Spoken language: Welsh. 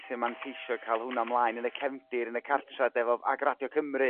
sy'n manteisio ca'l hwna ymlaen yn y cefndir yn y cartre' de? A Radio Cymru